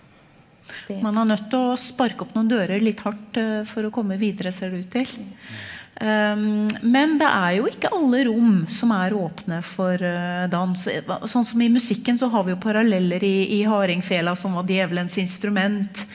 man er nødt å sparke opp noen dører litt hardt for å komme videre ser det ut til, men det er jo ikke alle rom som er åpne for dans sånn som i musikken så har vi jo paralleller i i hardingfela som var djevelens instrument.